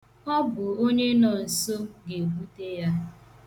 Ọ bụ onye nọ nso ga-ebute ya.